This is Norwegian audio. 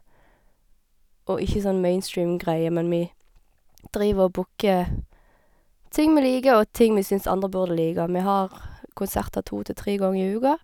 Og ikke sånn mainstream-greier, men vi driver og booker ting vi liker og ting vi syns andre burde like, og vi har konserter to til tre ganger i uka.